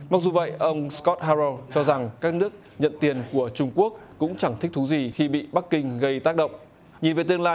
mặc dù vậy ông sờ cót ha rô cho rằng các nước nhận tiền của trung quốc cũng chẳng thích thú gì khi bị bắc kinh gây tác động nhìn về tương lai